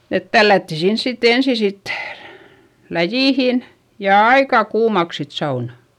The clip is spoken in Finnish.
että tällättiin sinne sitten ensin sitten läjiin ja aika kuumaksi sitten sauna